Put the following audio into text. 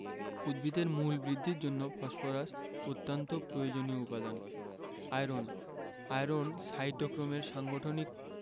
উদ্ভিদের মূল বৃদ্ধির জন্য ফসফরাস অত্যন্ত প্রয়োজনীয় উপাদান আয়রন আয়রন সাইটোক্রোমের সাংগঠনিক